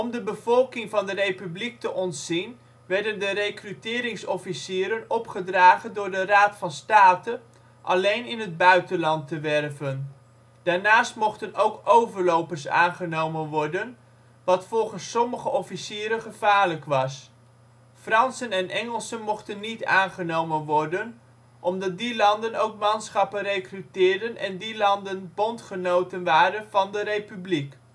de bevolking van de Republiek te ontzien werden de rekruteringsofficieren opgedragen door de Raad van State alleen in het buitenland te werven. Daarnaast mochten ook overlopers aangenomen worden, wat volgens sommige officieren gevaarlijk was. Fransen en Engelsen mochten niet aangenomen worden, omdat die landen ook manschappen rekruteerden en die landen bondgenoten waren van de Republiek